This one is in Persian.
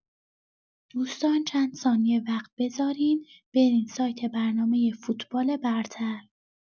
دوستان چند ثانیه وقت بذارید برین سایت برنامه فوتبال برتر.